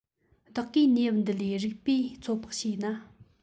བདག གིས གནས བབ འདི ལས རིགས པས ཚོད དཔག བྱས ན